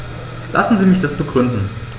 Lassen Sie mich das begründen.